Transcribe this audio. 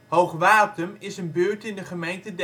Hoogwatum is een buurt in de gemeente